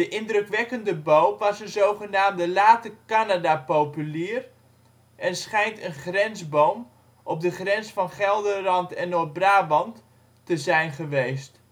indrukwekkende boom was een zogenaamde Late Canadapopulier (lat. Populus x canadensis ' serotina ') en schijnt een grensboom (op de grens van Gelderland en Noord-Brabant) te zijn geweest